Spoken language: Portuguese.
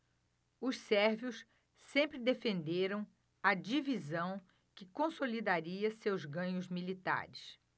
os sérvios sempre defenderam a divisão que consolidaria seus ganhos militares